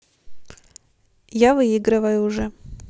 я выигрываю уже